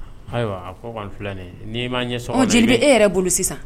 Ayiwa a ko kɔni filan nin n'i m ma ɲɛ sɔn jeliba e yɛrɛ bolo sisan